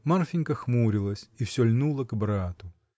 Марфинька хмурилась и всё льнула к брату.